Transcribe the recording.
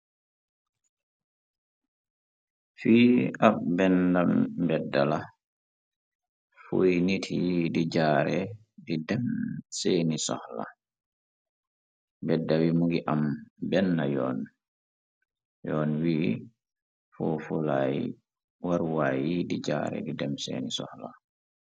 Fi ab benna mbedda la fuy nit yi di jaare di dem seeni soxla bedda wi mu ngi am benna yoonyoon wi fufulaay warwaay yi di jaare di dem seeni soxla.